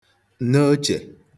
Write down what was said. nneochè